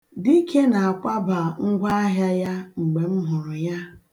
Dike na-akwaba ngwa ahịa ya mgbe m hụrụ ya.